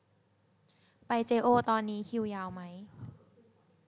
ไปเจ๊โอวตอนนี้คิวยาวมั้ย